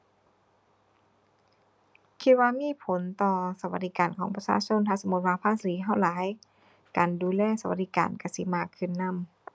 คิดว่ามีผลต่อสวัสดิการของประชาชน ถ้าสมมุติว่าภาษีเราหลายการดูแลสวัสดิเราสิมากขึ้นนำ